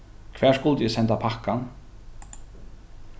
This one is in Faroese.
hvar skuldi eg senda pakkan